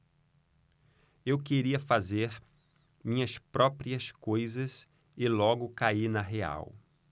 eu queria fazer minhas próprias coisas e logo caí na real